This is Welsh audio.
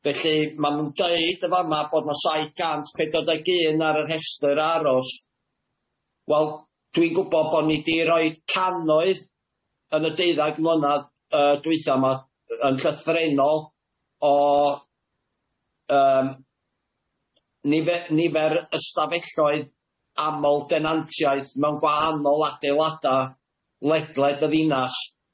Felly ma' nw'n deud yn fama bod 'na saith cant pedwar deg un ar y rhestr aros. Wel dwi'n gwbo bo' ni 'di roid cannoedd yn y deuddag mlynadd yy dwytha 'ma yn llythrennol o yym nife- nifer ystafelloedd amal denantiaeth mewn gwahanol adeilada' ledled y ddinas.